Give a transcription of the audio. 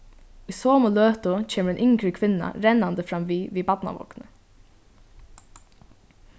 í somu løtu kemur ein yngri kvinna rennandi framvið við barnavogni